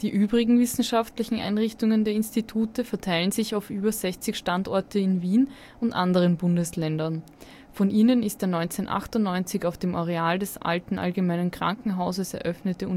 übrigen wissenschaftlichen Einrichtungen der Institut verteilen sich auf über 60 Standorte in Wien und anderen Bundesländern. Von ihnen ist der 1998 auf dem Areal des Alten Allgemeinen Krankenhauses eröffnete